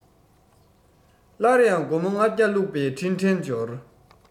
སླར ཡང སྒོར མོ ལྔ བརྒྱ བླུག པའི འཕྲིན ཕྲན འབྱོར